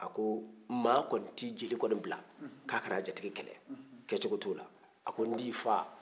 a ko maa kɔnin tɛ jeli kɔnnin bila k'a ka na a jatigi kɛlɛ kɛ cogo t'o la a ko n t'i faa